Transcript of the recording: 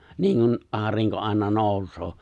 niin kuin aurinko aina nousee